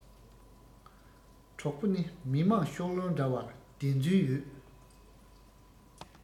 གྲོགས པོ ནི མི དམངས ཤོག ལོར འདྲ བར བདེན རྫུན ཡོད